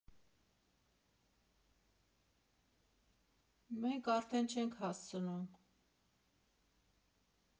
Մենք արդեն չե՜նք հասցնում։